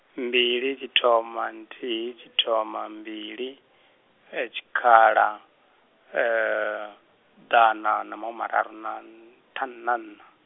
mbili tshithoma nthihi tshithoma mbili, tshikhala, ḓana na mahumi mararu na tha, na nṋa.